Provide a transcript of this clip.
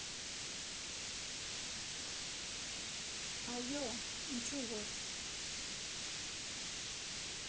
Այո՛, ինչու ոչ։